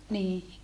niin